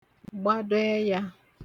gbàdo ẹyā